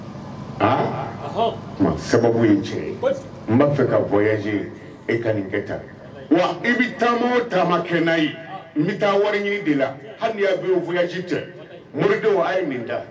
Sababu cɛ ye n b'a fɛ ka bɔ e ka nin kɛ wa i bɛ taa tama kɛ ye n taa wari ɲini de la hali y'a bɛ cɛ moridenw a ye min ta